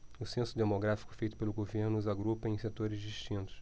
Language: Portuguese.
o censo demográfico feito pelo governo os agrupa em setores distintos